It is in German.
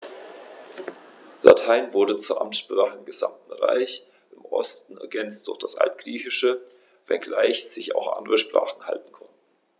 Latein wurde zur Amtssprache im gesamten Reich (im Osten ergänzt durch das Altgriechische), wenngleich sich auch andere Sprachen halten konnten.